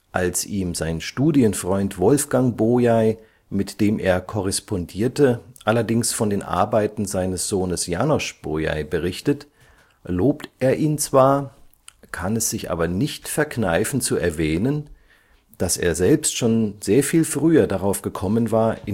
Als ihm sein Studienfreund Wolfgang Bolyai, mit dem er korrespondierte, allerdings von den Arbeiten seines Sohnes János Bolyai berichtet, lobt er ihn zwar, kann es sich aber nicht verkneifen zu erwähnen, dass er selbst schon sehr viel früher darauf gekommen war